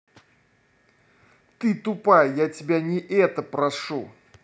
ты тупая я тебя не это прошу